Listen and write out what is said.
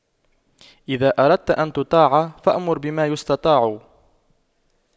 إذا أردت أن تطاع فأمر بما يستطاع